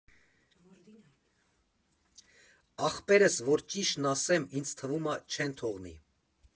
Ախպերս, որ ճիշտն ասեմ, ինձ թվում ա, չեն թողնի։